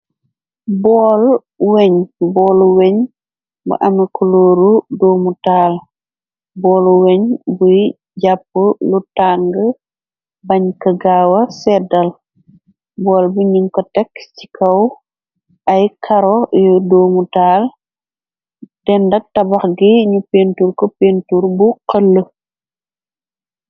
Bool weñ boolu weñ bu ame kulooru doomu taal boolu weñ buy jàpp lu tàng bañ ka gaawa seddal bool bi nin ko tekk ci kaw ay karo yu doomu taal dendak tabax gi ñu pintur ko pintur bu xënl.